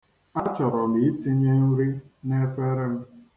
Achọrọ m itinye nri n'efere m.